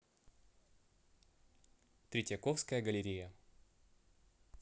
третьяковская галерея